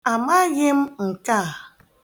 Amaghị m nke a.